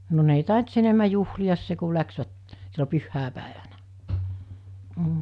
no ne ei tainnut sen enemmän juhlia se kun lähtivät silloin pyhäpäivänä mm